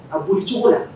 A boli cogo la